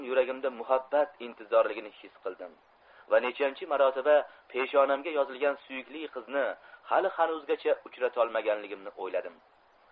yuragimda muhabbat intizorligini his qildim va nechanchi marotaba peshonamga yozilgan suyukli qizni hali hanuzgacha uchratolmaganligimni o'yladim